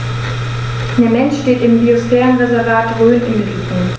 Der Mensch steht im Biosphärenreservat Rhön im Mittelpunkt.